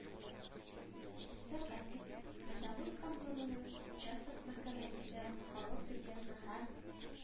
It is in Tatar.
Сәркәтип, мәсәгут кантонының участок мәхкәмәсендә халык судьясы һәм